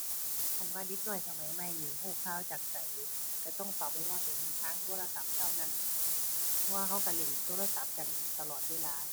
คันว่าเด็กน้อยสมัยใหม่นี้ รู้ข่าวจากไส รู้ต้องตอบไปว่าเป็นทางโทรศัพท์เท่านั้น เพราะว่ารู้รู้เล่นโทรศัพท์กันตลอดเวลา